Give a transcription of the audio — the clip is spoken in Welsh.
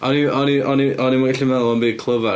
O'n i, o'n i, o'n i ddim yn gallu meddwl am ddim byd clyfar,